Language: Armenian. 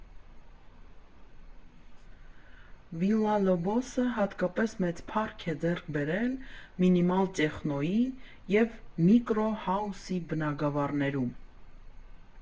Վիլլալոբոսը հատկապես մեծ փառք է ձեռք բերել մինիմալ տեխնոյի և միկրոհաուսի բնագավառներում։